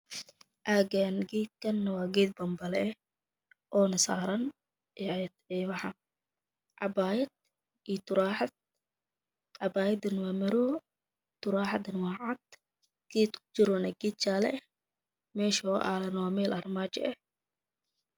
Caagan geedkan waa geed boonbale ah oona saran cabaayad iyo turaaxad cabaayadana waa madow turaxadana waa cadaan geedkuu kujirana waa geed jaala ah meeshuu aalana waa armaajo